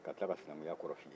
a tila ka sinakuya kɔrɔ f'i ye